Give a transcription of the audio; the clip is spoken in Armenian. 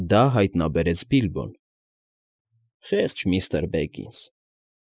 Դա հայտնաբերեց Բիլբոն։ Խե՜ղճ միստր Բեգինս։